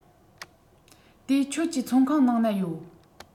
དེ ཁྱོད ཀྱི ཚོང ཁང ནང ན ཡོད